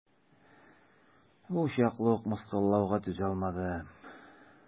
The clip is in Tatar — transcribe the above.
Бу чаклы ук мыскыллауга түзалмадым.